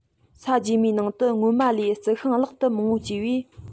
ས རྗེས མའི ནང དུ སྔོན མ ལས རྩི ཤིང ལྷག ཏུ མང པོ སྐྱེ བས